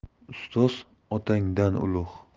ustoz otangdan ulug'